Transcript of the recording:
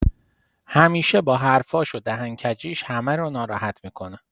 همیشه با حرفاش و دهن‌کجیش همه رو ناراحت می‌کنه.